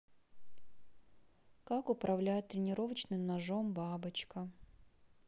как управлять тренировочным ножом бабочка